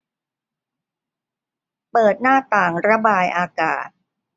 เปิดหน้าต่างระบายอากาศ